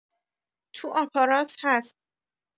تو آپارات هست